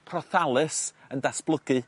prothallus yn datblygu